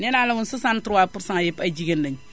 nee naa la woon 63% yépp ay jigéen lañu